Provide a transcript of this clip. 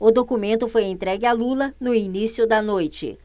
o documento foi entregue a lula no início da noite